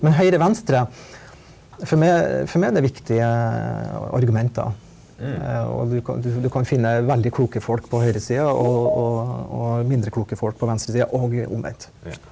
med høyre venstre for meg for meg er det viktige argumenter og du kan du kan finne veldig kloke folk på høyresida og og og mindre kloke folk på venstresida og omvendt.